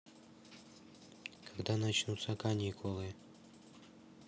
когда начнутся каникулы